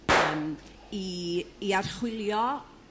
yrm i i archwilio